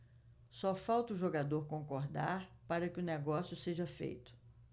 só falta o jogador concordar para que o negócio seja feito